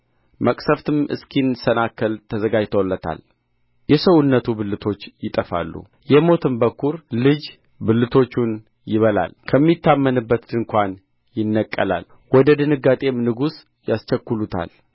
መቅሠፍትም እስኪሰናከል ተዘጋጅቶለታል የሰውነቱ ብልቶች ይጠፋሉ የሞትም በኵር ልጅ ብልቶቹን ይበላል ከሚታመንበት ድንኳን ይነቀላል ወደ ድንጋጤም ንጉሥ ያስቸኵሉታል